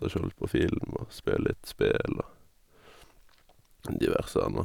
Og sjå litt på film og spille litt spill og diverse anna.